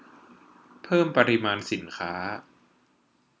เพิ่มปริมาณสินค้า